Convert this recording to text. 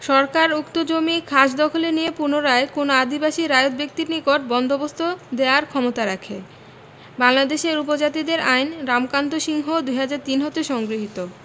সরকার উক্ত জমি খাসদখলে নিয়ে পুনরায় কোনও আদিবাসী রায়ত ব্যক্তির নিকট বন্দোবস্ত দেয়ার ক্ষমতারাখে বাংলাদেশের উপজাতিদের আইন রামকান্ত সিংহ ২০০৩ হতে সংগৃহীত